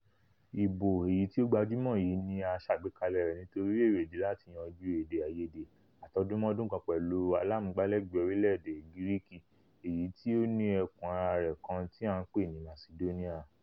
Ìbò èyítí ó gbajumọ yíì ni a ṣagbekalẹ rẹ nitori èrèdí láti yanjú èdè-àìyedè atọdunmọdun kan pẹlu aláàmúlégbè orílẹ̀-èdè Gíríkì, èyití ó ni ẹkùn ara rẹ kan tí a ńpè ní Masidóníà.